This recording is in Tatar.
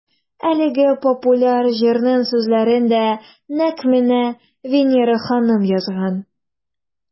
Әлеге популяр җырның сүзләрен дә нәкъ менә Винера ханым язган.